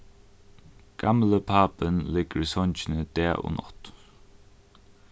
gamli pápin liggur í songini dag og nátt